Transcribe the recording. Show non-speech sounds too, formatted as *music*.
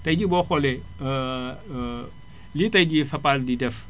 tay jii boo xoolee *hesitation* li tay jii Fapal di def